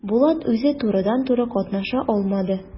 Булат үзе турыдан-туры катнаша алмады.